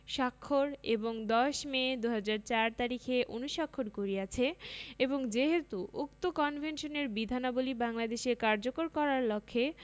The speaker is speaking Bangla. স্বাক্ষর এবং ১০ মে ২০০৪ইং তারিখে অনুস্বাক্ষর করিয়অছে এবং যেহেতু উক্ত কনভেনশনের বিধানাবলী বাংলাদেশে কার্যকর করার লক্ষ্যে